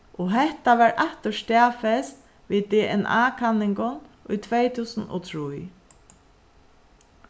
og hetta var aftur staðfest við dna kanningum í tvey túsund og trý